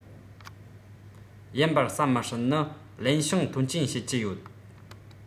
ཡིན པར བསམ མི སྲིད ནི ལེན ཞང ཐོན སྐྱེད བྱེད ཀྱི ཡོད